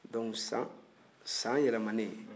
dɔnku san yɛlɛmanen